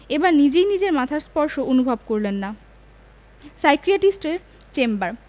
এবার নিজেই নিজের মাথার স্পর্শ অনুভব করলেন না সাইকিয়াট্রিস্টের চেম্বার